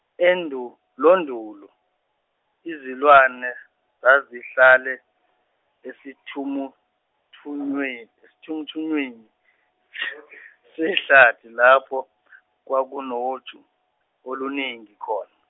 endulondulo, izilwane zazihlale esithumuthunywi- esithumuthunywini, sehlathi lapho, kwakunoju, oluningi khona.